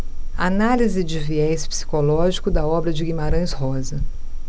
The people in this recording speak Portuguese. análise de viés psicológico da obra de guimarães rosa